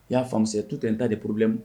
I y'a faamumusa tu tɛ ta de purbimu